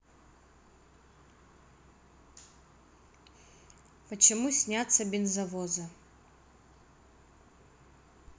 почему снятся бензовозы